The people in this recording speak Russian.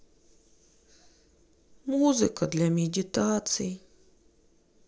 музыка для медитаций